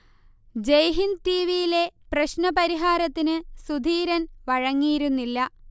ജയ്ഹിന്ദ് ടിവിയിലെ പ്രശ്ന പരിഹാരത്തിന് സുധീരൻ വഴങ്ങിയിരുന്നില്ല